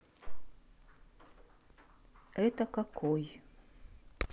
это какой